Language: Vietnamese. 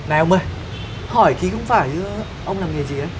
này ông ơi hỏi tí không phải chứ ông làm nghề gì đấy